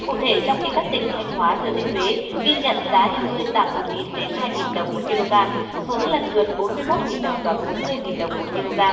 cụ thể trong khi các tỉnh thanh hóa thừa thiên huế ghi nhận giá heo hơi giảm một nghìn đến hai nghìn đồng một ki lô gam xuống lần lượt bốn mươi mốt nghìn đồng và bốn mươi nghìn đồng một ki lô gam